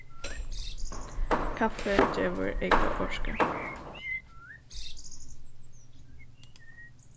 kaffi gevur eyka orku